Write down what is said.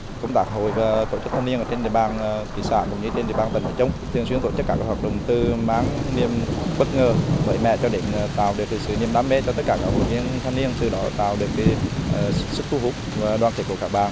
công tác hội và tổ chức thanh niên ở trên địa bàn thị xã cũng như trên địa bàn tỉnh nói chung thường xuyên tổ chức các hoạt động tư mang niềm bất ngờ mới mẻ cho đến tạo điều kiện sự niềm đam mê cho tất cả các hội viên thanh niên từ đó tạo được cái sức thu hút và đoàn kết của các bạn